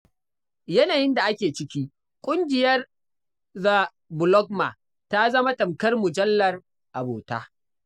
A yanayin da ake ciki, Ƙungiyar the Blogma ta zama tamkar mujallar abota.